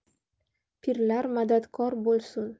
pirlar madadkor bo'lsun